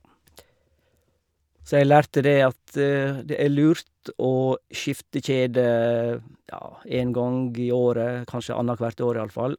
Så jeg lærte det at det er lurt å skifte kjede, ja, en gang i året, kanskje annethvert år i alle fall.